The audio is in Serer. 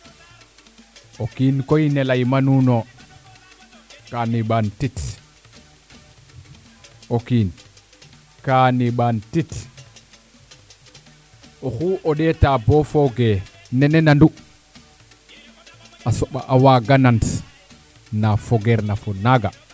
o kiin koy ne ley am nuun no o kiin ka neɓaan tit o kiin ka neɓaan tit oxu o ndeeta bo fooge nene nandu a soɓa a waaga nan na fogeer na fo naaga